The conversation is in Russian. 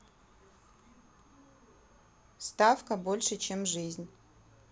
ставка больше чем жизнь